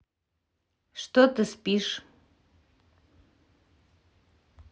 что ты спишь